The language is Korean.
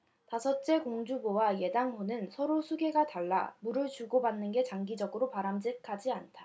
다섯째 공주보와 예당호는 서로 수계가 달라 물을 주고받는 게 장기적으로 바람직하지 않다